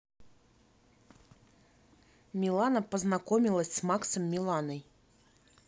милана познакомилась с максом миланой